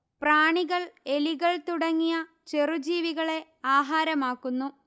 പ്രാണികൾ എലികൾ തുടങ്ങിയ ചെറു ജീവികളെ ആഹാരമാക്കുന്നു